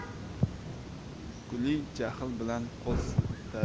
guli jahl bilan qo'l siltadi